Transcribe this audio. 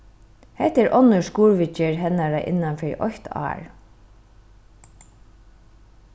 hetta er onnur skurðviðgerð hennara innan fyri eitt ár